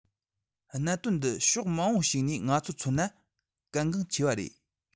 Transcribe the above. གནད དོན འདི ཕྱོགས མང པོ ཞིག ནས ང ཚོར མཚོན ན གལ འགངས ཆེ བ རེད